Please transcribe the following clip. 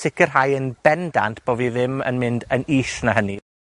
sicirhau yn bendant bo' fi ddim yn mynd yn is na hynny.